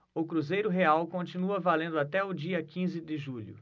o cruzeiro real continua valendo até o dia quinze de julho